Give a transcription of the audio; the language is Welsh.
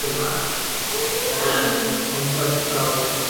Gymrag. O ie. Ond ond like fel